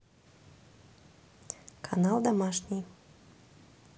канал домашний